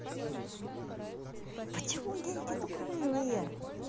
почему дети тупорылые